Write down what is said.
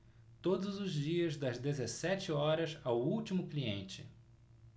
todos os dias das dezessete horas ao último cliente